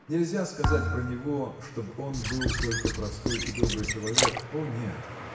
Нельзя сказать про него, чтоб он был только простой и добрый человек. О нет!